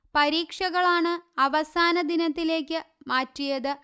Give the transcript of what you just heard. പരീക്ഷകളാണ് അവസാന ദിനത്തിലേക്ക് മാറ്റിയത്